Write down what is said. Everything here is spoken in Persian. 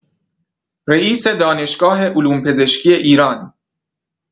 رییس دانشگاه علوم‌پزشکی ایران